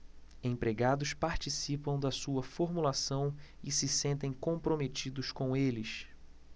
empregados participam da sua formulação e se sentem comprometidos com eles